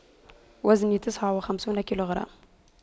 وزني تسعة وخمسون كيلوغرام